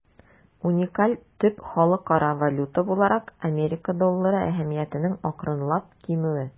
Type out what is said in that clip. Уникаль төп халыкара валюта буларак Америка доллары әһәмиятенең акрынлап кимүе.